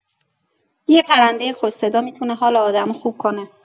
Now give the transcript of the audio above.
یه پرنده خوش‌صدا می‌تونه حال آدمو خوب کنه.